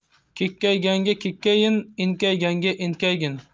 kekkayganga kekaygin enkayganga enkaygin